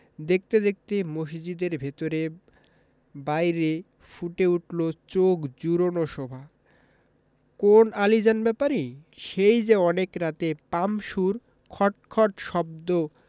দেখতে দেখতে মসজিদের ভেতরে বাইরে ফুটে উঠলো চোখ জুড়োনো শোভা কোন আলীজান ব্যাপারী সেই যে অনেক রাতে পাম্পসুর খট খট শব্দ